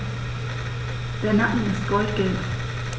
Der Nacken ist goldgelb.